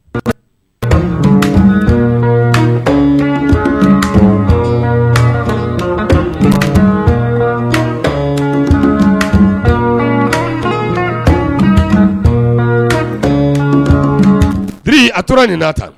Jigi a tora nin'a ta